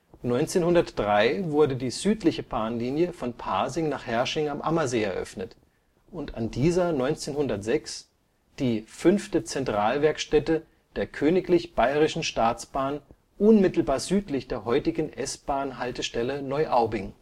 1903 wurde die südliche Bahnlinie von Pasing nach Herrsching am Ammersee eröffnet, und an dieser 1906 die V. Centralwerkstätte der königlich bayerischen Staatsbahn unmittelbar südlich der heutigen S-Bahn-Haltestelle Neuaubing